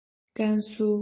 ཀན སུའུ